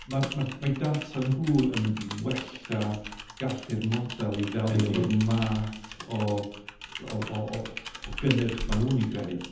ma'r ma'r mae data nhw yn mynd i wella gallu'r model i ddelio... Ydi. efo'r math o o o o o gynnyrch ma' nw'n 'i greu.